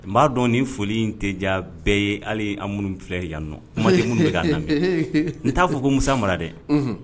N b'a dɔn nin foli in tɛja bɛɛ ye hali an minnu filɛ yan nɔ kumaden minnu de k'a lamɛn n t'a fɔ ko musa mara dɛ